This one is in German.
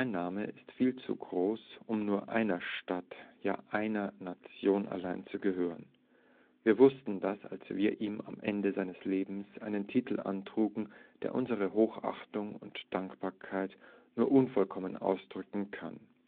Name ist viel zu groß, um nur einer Stadt, ja einer Nation allein zu gehören. Wir wussten das, als wir ihm am Ende seines Lebens einen Titel antrugen, der unsere Hochachtung und Dankbarkeit nur unvollkommen ausdrücken kann